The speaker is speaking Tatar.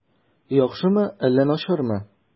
Яхшымы әллә начармы?